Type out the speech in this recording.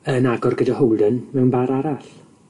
yn agor gyda Holden mewn bar arall.